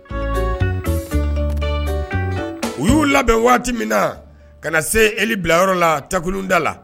U y'u labɛn waati min na ka na se e bilayɔrɔ la tɛkuluda la